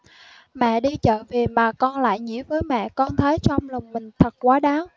mẹ đi chợ về mà con lại nhiễu với mẹ con thấy trong lòng mình thật quá đáng